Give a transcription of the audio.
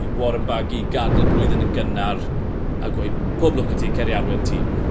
Warren Barguil i gadl blwyddyn yn gynnar a gweud pob lwc i ti cer i arwen tîm.